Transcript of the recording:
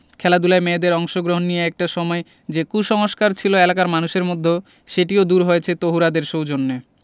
খেলাধুলায় মেয়েদের অংশগ্রহণ নিয়ে একটা সময় যে কুসংস্কার ছিল এলাকার মানুষের মধ্য সেটিও দূর হয়েছে তহুরাদের সৌজন্যে